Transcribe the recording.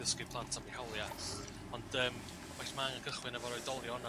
ddysgu plant am i hawlia' ond yym mai- ma' angen cychwyn efo'r oedolion a